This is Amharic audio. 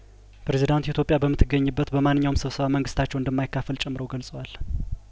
ፕሬዚዳንቱ ኢትዮጵያበምት ገኝበት በማንኛውም ስብሰባ መንግስታቸው እንደማይካፈል ጨምረው ገልጸዋል